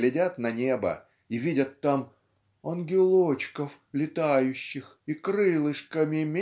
глядят на небо и видят там "ангелочков летающих и крылышками